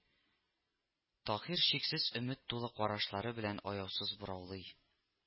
Таһир чиксез өмет тулы карашлары белән аяусыз бораулый